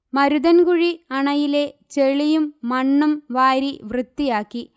മരുതൻകുഴി അണയിലെ ചെളിയും മണ്ണും വാരി വൃത്തിയാക്കി